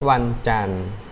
วันจันทร์